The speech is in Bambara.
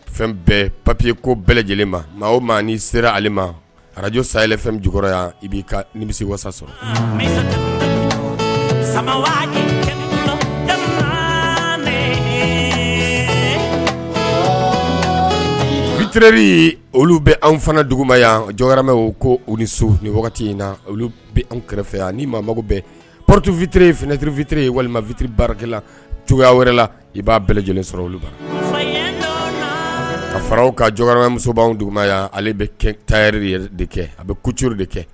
Fɛn bɛɛ papiye ko bɛɛ lajɛlen ma maa o maa' sera ale ma araj sayay fɛn jukɔrɔ yan i b'i ka ni misi se wasa sɔrɔ sama vttiriri olu bɛ an fana duguma yan jɔmɛ ko u ni so ni wagati in na olu an kɛrɛfɛ yan ni maa mago bɛɛ pti v fitiri ftiri fitiri walima fitiri baaratila cogoyaya wɛrɛla i b'a bɛɛ lajɛlen sɔrɔ olu bara ka faraw ka jɔmuso anw duguma yan ale bɛ tari de kɛ a bɛ kutu de kɛ